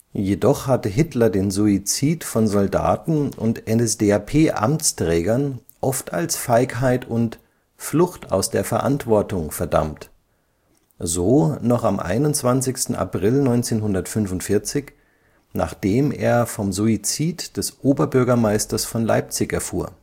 Jedoch hatte Hitler den Suizid von Soldaten und NSDAP-Amtsträgern oft als Feigheit und „ Flucht aus der Verantwortung “verdammt, so noch am 21. April 1945, nachdem er vom Suizid des Oberbürgermeisters von Leipzig erfuhr